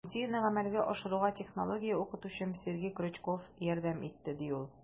Идеяне гамәлгә ашыруга технология укытучым Сергей Крючков ярдәм итте, - ди ул.